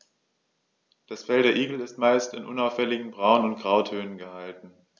Das Fell der Igel ist meist in unauffälligen Braun- oder Grautönen gehalten.